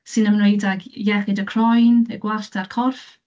sy'n ymwneud ag iechyd y croen, y gwallt a'r corff.